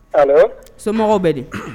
Alo somɔgɔw bɛ di?